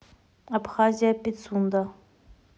абхазия пицунда